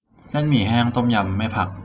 เส้นหมี่แห้งต้มยำไม่ผัก